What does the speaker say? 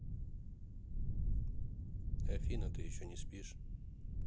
афина ты еще не спишь